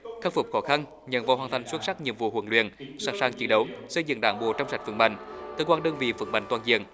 khắc phục khó khăn nhưng vẫn hoàn thành xuất sắc nhiệm vụ huấn luyện sẵn sàng chiến đấu xây dựng đảng bộ trong sạch vững mạnh tổng quan đơn vị vững mạnh toàn diện